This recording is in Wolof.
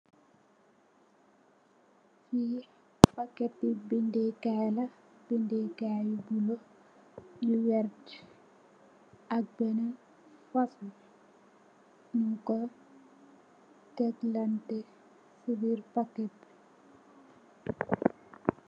Fi pakèti bindèkaay la, bindèkaay yu vert ak benen fasung nung ko teglantè ci biir pakèt.